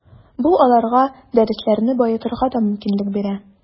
Бу аларга дәресләрне баетырга да мөмкинлек бирә.